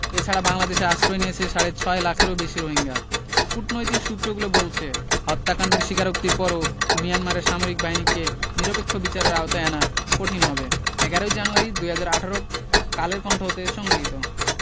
এ ছাড়া বাংলাদেশে আশ্রয় নিয়েছে সাড়ে ছয় লাখেরও বেশি রোহিঙ্গা কূটনৈতিক সূত্রগুলো বলছে হত্যাকাণ্ডের স্বীকারোক্তির পরও মিয়ানমারের সামরিক বাহিনীকে নিরপেক্ষ বিচারের আওতায় আনা কঠিন হবে ১১ ই জানুয়ারি ২০১৮ কালের কন্ঠ হতে সংগৃহীত